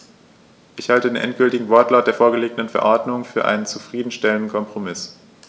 Ich halte den endgültigen Wortlaut der vorgelegten Verordnung für einen zufrieden stellenden Kompromiss.